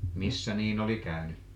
missä niin oli käynyt